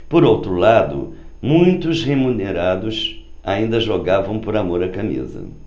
por outro lado muitos remunerados ainda jogavam por amor à camisa